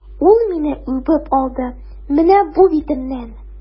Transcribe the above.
Ул мине үбеп алды, менә бу битемнән!